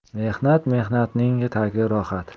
mehnat mehnatning tagi rohat